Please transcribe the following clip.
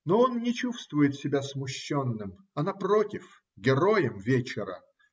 Но он не чувствует себя смущенным, а напротив - героем вечера.